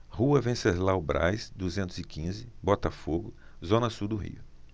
rua venceslau braz duzentos e quinze botafogo zona sul do rio